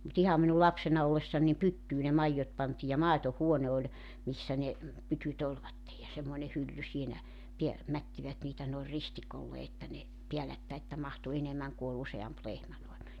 mutta ihan minun lapsena ollessani niin pyttyyn ne maidot pantiin ja maitohuone oli missä ne pytyt olivat ja semmoinen hylly siinä - mättivät niitä noin ristikolle että ne päällekkäin että mahtui enemmän kun oli useampi lehmä noin